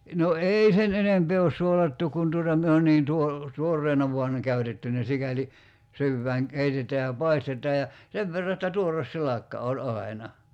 no ei sen enempää ole suolattu kun tuota me on niin - tuoreena vain ne käytetty ne sikäli syödään keitetään ja paistetaan ja sen verran että tuore silakka oli aina